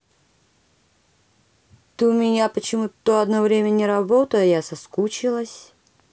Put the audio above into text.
ты у меня почему то одно время не работала я соскучилась